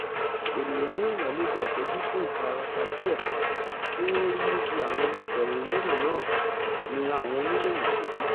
Ènìyàn mẹ́rìńlá́ ló gba ìtọ́jú fún ìfarapa díẹ̀ tí wọ́n ní níbí àwọn ìfẹ̀hónúhàn náà, ni àwọn oníròyìn agbègbè sọ.